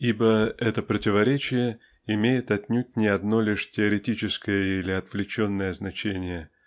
Ибо это противоречие имеет отнюдь не одно лишь теоретическое или отвлеченное значение